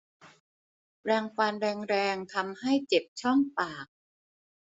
แปรงฟันแรงแรงทำให้เจ็บช่องปาก